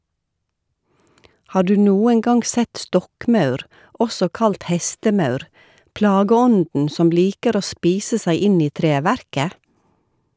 Har du noen gang sett stokkmaur, også kalt hestemaur, plageånden som liker å spise seg inn i treverket?